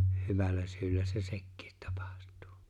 hyvällä syyllä se sekin tapahtuu